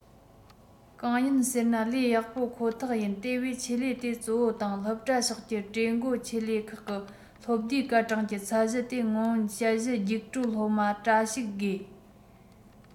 གང ཡིན ཟེར ན ལས ཡག པོ ཁོ ཐག ཡིན དེ བས ཆེད ལས དེ གཙོ བོ དང སློབ གྲྭ ཕྱོགས ཀྱི གྲོས འགོ ཆེད ལས ཁག གི སློབ བསྡུའི སྐར གྲངས ཀྱི ཚད གཞི དེ སྔོན དཔྱད གཞི རྒྱུགས སྤྲོད སློབ མ དྲ ཞུགས དགོས